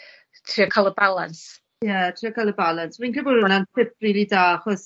trio ca'l y balans. Ie trio ca'l y balans. Wi'n credu bo' wnna'n tip rili da achos